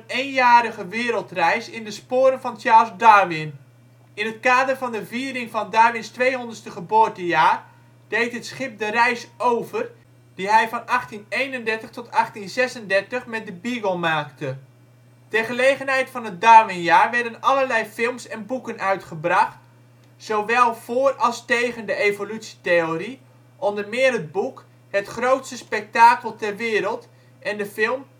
eenjarige wereldreis in de sporen van Charles Darwin. In het kader van de viering van Darwins tweehonderdste geboortejaar deed het schip de reis over die hij van 1831 tot 1836 met de Beagle maakte. Ter gelegenheid van het Darwinjaar werden allerlei films en boeken uitgebracht, zowel voor als tegen de evolutietheorie, onder meer het boek Het grootste spektakel ter wereld en de film